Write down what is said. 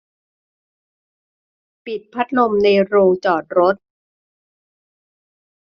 ปิดพัดลมในโรงจอดรถ